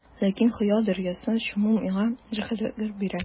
Ләкин хыял дәрьясына чуму миңа рәхәтлек бирә.